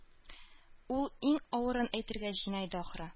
Ул иң авырын әйтергә җыена иде, ахры